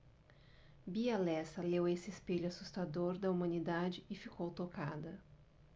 bia lessa leu esse espelho assustador da humanidade e ficou tocada